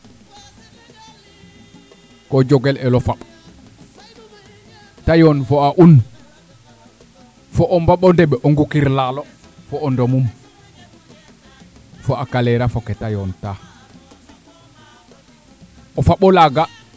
o jogal elo faɓ te yoon fa'a un fo o mboɓo ɗemb o gukir laalo fo'o ndomum fa'a ka; leera fo keete yoon ta o faɓo laaga